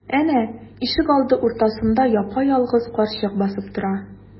Әнә, ишегалды уртасында япа-ялгыз карчык басып тора.